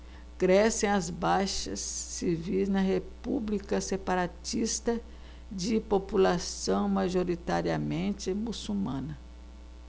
crescem as baixas civis na república separatista de população majoritariamente muçulmana